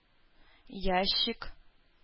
Ящик